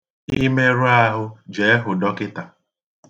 Ị merụọ ahụ jee hụ dọkịnta.